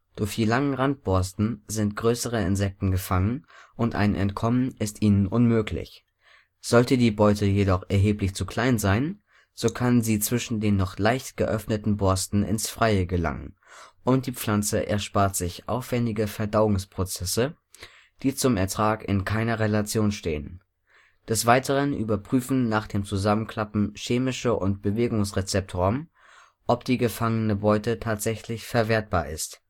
Durch die langen Randborsten sind größere Insekten gefangen und ein Entkommen ist ihnen unmöglich. Sollte die Beute jedoch erheblich zu klein sein, so kann sie zwischen den noch leicht geöffneten Borsten ins Freie gelangen und die Pflanze erspart sich aufwändige Verdauungsprozesse, die zum Ertrag in keiner Relation stehen. Des Weiteren überprüfen nach dem Zuklappen chemische und Bewegungsrezeptoren, ob die gefangene Beute tatsächlich verwertbar ist